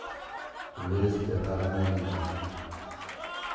вести армения